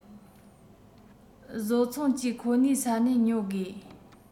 བཟོ ཚོང ཅུས ཁོ ནའི ས ནས ཉོ དགོས